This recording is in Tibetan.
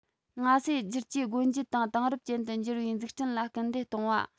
ང ཚོས བསྒྱུར བཅོས སྒོ འབྱེད དང དེང རབས ཅན དུ འགྱུར བའི འཛུགས སྐྲུན ལ སྐུལ འདེད གཏོང བ